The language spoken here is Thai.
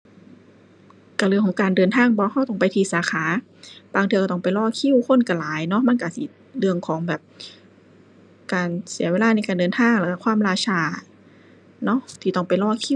ก็เรื่องของการเดินทางบ่ ก็ต้องไปที่สาขา บางเทื่อก็ต้องไปรอคิว คนก็หลายเนาะ มันก็สิ เรื่องของแบบ การเสียเวลาในการเดินทาง แล้วก็ความล่าช้าเนาะที่ต้องไปรอคิว